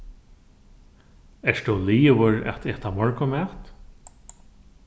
ert tú liðugur at eta morgunmat